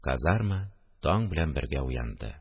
Казарма таң белән бергә уянды